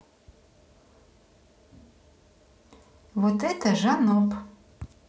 вот это жаноб